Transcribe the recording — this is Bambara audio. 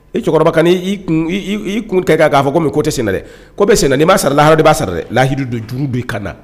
I cɛkɔrɔba ka ni kun i kun kɛ tan ka kɛ komi ko tɛ sen dɛ. Ko bɛ senna . Ni ma sara lahara i ba sara dɛ lahidu don juru bi kan na .